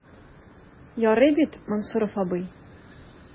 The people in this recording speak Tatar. Ярый бит, Мансуров абый?